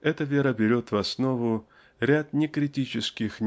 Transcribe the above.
Эта вера берет в основу ряд некритических